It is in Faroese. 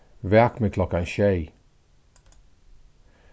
vak meg klokkan sjey